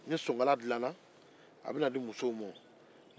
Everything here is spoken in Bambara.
ni sokala dillara a bɛ na di musow ma